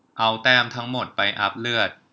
เอาแต้มทั้งหมดไปอัพเลือด